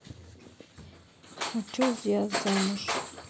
хочу я замуж